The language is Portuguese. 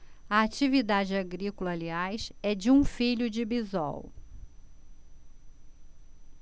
a atividade agrícola aliás é de um filho de bisol